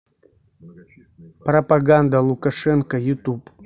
пропаганда лукашенко ютуб